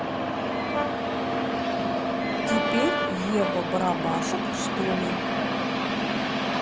теперь ева барабашек что ли